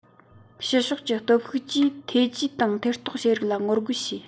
ཕྱི ཕྱོགས ཀྱི སྟོབས ཤུགས ཀྱིས ཐེ ཇུས དང ཐེ གཏོགས བྱེད རིགས ལ ངོ རྒོལ བྱས